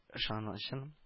Ышанычын